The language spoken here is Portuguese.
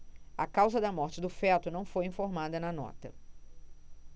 a causa da morte do feto não foi informada na nota